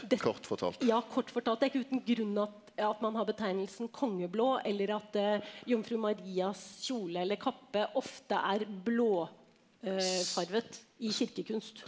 dett ja kort fortalt det er ikke uten grunn at at man har betegnelsen kongeblå eller at Jomfru Marias kjole eller kappe ofte er blåfarget i kirkekunst.